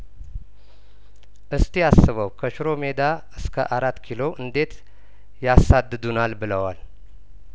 እስቲ አስበው ከሽሮ ሜዳ እስከአራት ኪሎ እንዴት ያሳድዱናል ብለዋል